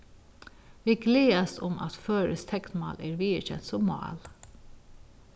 vit gleðast um at føroyskt teknmál er viðurkent sum mál